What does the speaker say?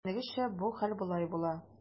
Күргәнегезчә, бу хәл болай була.